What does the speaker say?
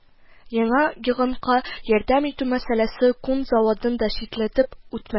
Яңа гигантка ярдәм итү мәсьәләсе күн заводын да читләтеп үтмә